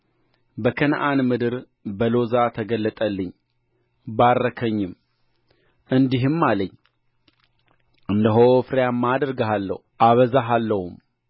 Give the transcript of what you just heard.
በከነዓን ምድር በሎዛ ተገለጠልኝ ባረከኝምእንዲህም አለኝ እነሆ ፍሬያማ አደርግሃለሁ አበዛሃለሁም